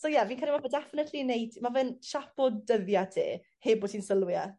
So ie fi'n credu ma' fe definitely yn neud ma' fe'n siapo dyddia' ti heb bo' ti'n sylwi e.